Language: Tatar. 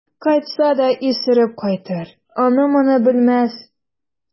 Кайтса да исереп кайтыр, аны-моны белмәс.